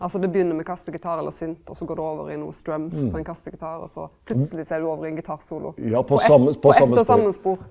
altså det begynner med kassegitar eller synt, og så går det over i nokon på ein kassegitar, også plutseleg så er du over i ein gitarsolo på eitt på eitt og same spor.